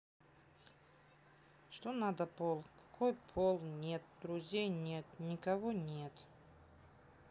что надо pal какой пол нет друзей нет никого нет